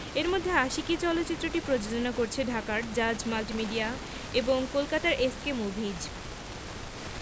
এর মধ্যে আশিকী চলচ্চিত্রটি প্রযোজনা করছে ঢাকার জাজ মাল্টিমিডিয়া এবং কলকাতার এস কে মুভিজ